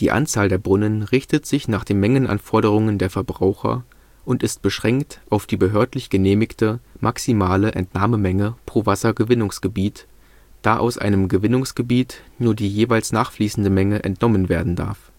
Anzahl der Brunnen richtete sich nach den Mengenanforderungen der Verbraucher und ist beschränkt auf die behördlich genehmigte maximale Entnahmemenge pro Wassergewinnungsgebiet, da aus einem Gewinnungsgebiet nur die jeweils nachfließende Menge entnommen werden darf